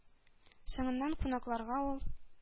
Соңыннан кунакларга ул